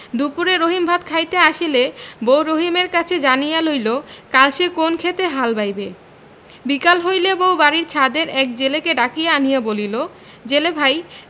দুপুরে রহিম ভাত খাইতে আসিলে বউ রহিমের কাছে জানিয়া লইল কাল সে কোন ক্ষেতে হাল বাহিবে বিকাল হইলে বউ বাড়ির ছাদের এক জেলেকে ডাকিয়া আনিয়া বলিল জেলে ভাই